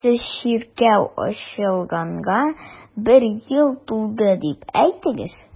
Сез чиркәү ачылганга бер ел тулды дип әйттегез.